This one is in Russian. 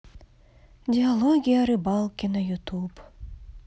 диалоги о рыбалке на ютуб